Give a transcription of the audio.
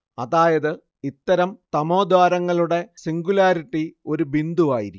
അതായത് ഇത്തരം തമോദ്വാരങ്ങളുടെ സിംഗുലാരിറ്റി ഒരു ബിന്ദുവായിരിക്കും